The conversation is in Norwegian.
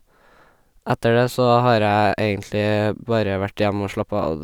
Etter det så har jeg egentlig bare vært hjemme og slappa av.